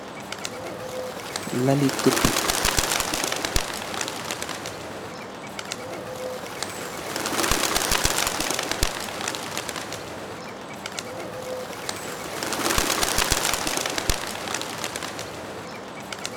Lalli coppou la bou nite did fanan